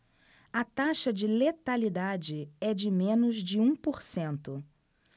a taxa de letalidade é de menos de um por cento